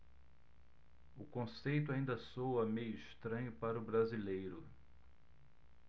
o conceito ainda soa meio estranho para o brasileiro